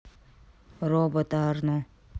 робот арно